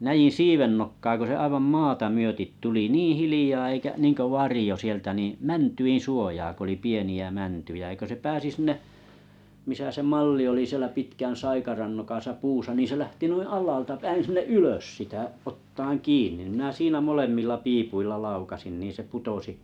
näin siivennokkaa kun se aivan maata myöten tuli niin hiljaa eikä niin kuin varjo sieltä niin mäntyjen suojaa kun oli pieniä mäntyjä ja kun se pääsi sinne missä se malli oli siellä pitkän saikaran nokassa puussa niin se lähti noin alhaalta päin ylös sitä ottamaan kiinni niin minä siinä molemmilla piipuilla laukaisin niin se putosi